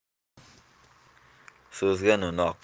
so'zga no'noq